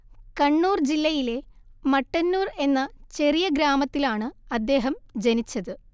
കണ്ണൂർ ജില്ലയിലെ മട്ടന്നൂർ എന്ന ചെറിയ ഗ്രാമത്തിലാണ് അദ്ദേഹം ജനിച്ചത്